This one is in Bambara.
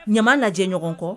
Ɲama lajɛ ɲɔgɔn kɔ